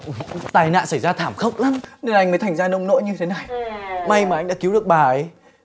tai nạn xảy ra thảm khốc lắm anh mới thành ra nông nỗi như thế này may mà anh đã cứu được bà áy